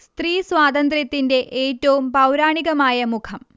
സ്ത്രീ സ്വാതന്ത്ര്യത്തിന്റെ ഏറ്റവും പൗരാണികമായ മുഖം